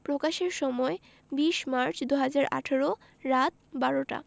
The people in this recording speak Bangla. প্রকাশের সময় ২০মার্চ ২০১৮ রাত ১২০০ টা